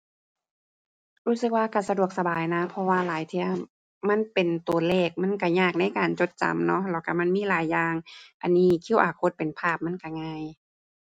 รู้สึกว่าก็สะดวกสบายนะ เพราะว่าหลายเที่ย มันเป็นก็เลขมันก็ยากในการจดจำเนาะแล้วก็มันมีหลายอย่าง อันนี้ QR code เป็นภาพมันก็ง่าย